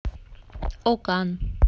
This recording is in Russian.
акан